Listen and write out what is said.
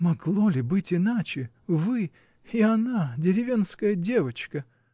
— Могло ли быть иначе: вы — и она, деревенская девочка!